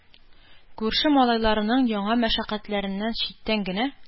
Күрше малайларының яңа мәшәкатьләрен читтән генә